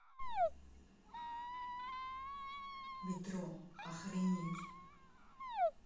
metro охренеть